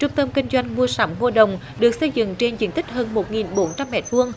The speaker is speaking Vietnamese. trung tâm kinh doanh mua sắm cua đồng được xây dựng trên diện tích hơn một nghìn bốn trăm mét vuông